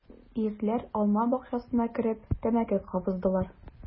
Ирләр алма бакчасына кереп тәмәке кабыздылар.